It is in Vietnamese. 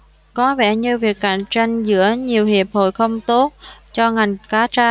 có vẻ như việc cạnh tranh giữa nhiều hiệp hội không tốt cho ngành cá tra